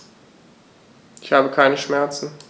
Ich habe keine Schmerzen.